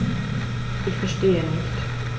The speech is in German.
Ich verstehe nicht.